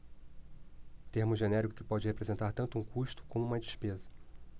termo genérico que pode representar tanto um custo como uma despesa